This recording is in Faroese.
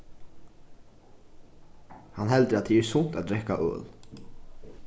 hann heldur at tað er sunt at drekka øl